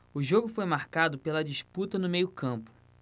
o jogo foi marcado pela disputa no meio campo